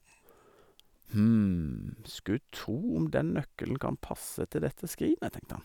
Hm, skulle tro om den nøkkelen kan passe til dette skrinet, tenkte han.